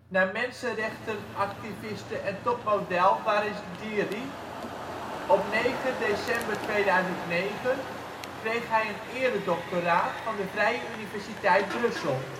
naar mensenrechtenactiviste en topmodel Waris Dirie. Op 9 december 2009 kreeg hij een eredoctoraat van de Vrije Universiteit Brussel